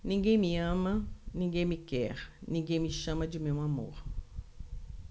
ninguém me ama ninguém me quer ninguém me chama de meu amor